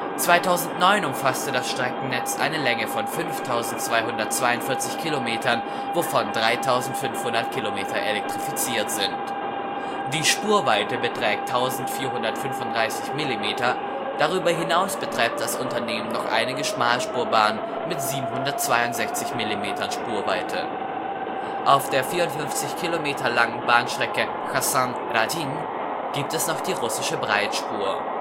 2009 umfasste das Streckennetz eine Länge von 5242 Kilometern, wovon 3500 Kilometer elektrifiziert sind. Die Spurweite beträgt 1435 Millimeter, darüber hinaus betreibt das Unternehmen noch einige Schmalspurbahnen mit 762 Millimeter Spurweite. Auf der 54 Kilometer langen Bahnstrecke Chassan – Rajin gibt es noch die russische Breitspur